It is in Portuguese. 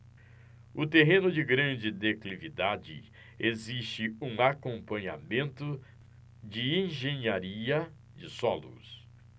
o terreno de grande declividade exige um acompanhamento de engenharia de solos